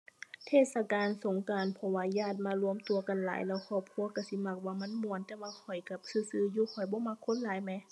เทศกาลสงกรานต์ เพราะว่าญาติมารวมตัวกันหลาย แล้วครอบครัวก็สิมักว่ามันม่วน แต่ว่าข้อยก็ซื่อซื่ออยู่ข้อยบ่มักคนหลายแหมะ